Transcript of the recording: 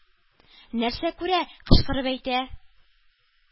Нәрсә күрә, кычкырып әйтә,